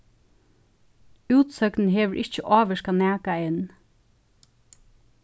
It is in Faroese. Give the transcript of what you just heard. útsøgnin hevur ikki ávirkað nakað enn